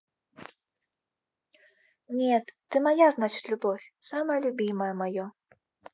нет ты моя значит любовь самое любимое мое